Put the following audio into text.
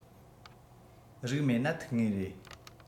རིགས མེད ན ཐུག ངེས རེད